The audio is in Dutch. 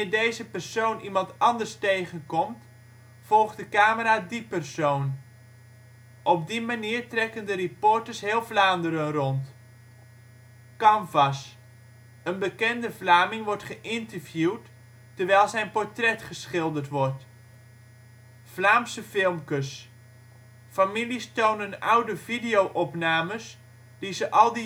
deze persoon iemand anders tegenkomt, volgt de camera die persoon. Op die manier trekken de reporters heel Vlaanderen rond. Canvas: Een bekende Vlaming wordt geïnterviewd terwijl zijn portret geschilderd wordt. Vlaamse Filmkes: Families tonen oude video-opnames die ze al